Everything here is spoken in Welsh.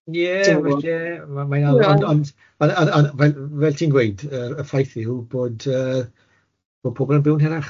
Ie falle mae'n ond ond ond ond fe- fel ti'n gweud y y ffaith yw bod yy bod pobol yn byw'n hirach.